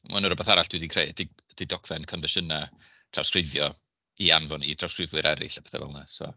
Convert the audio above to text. ma' hwnna rywbeth arall dwi 'di creu 'di di dogfen confensiynau trawsgrifio i anfon i drawsgrifwyr eraill a phethau fel 'na so